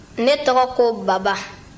ne tɔgɔ ko baba